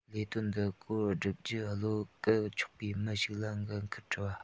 ལས དོན འདི སྐོར བསྒྲུབ རྒྱུར བློ བཀལ ཆོག པའི མི ཞིག ལ འགན ཁུར དཀྲི བ